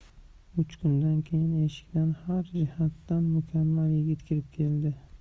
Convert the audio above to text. uch kundan keyin eshikdan har jihatdan mukammal yigit kirib keldi